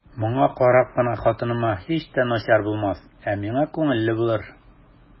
Моңа карап кына хатыныма һич тә начар булмас, ә миңа күңелле булыр.